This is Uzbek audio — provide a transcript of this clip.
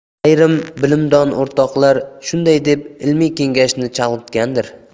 ayrim bilimdon o'rtoqlar shunday deb ilmiy kengashni chalg'itgandir